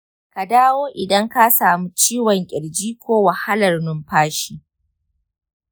ka dawo idan ka samu ciwon ƙirji ko wahalar numfashi.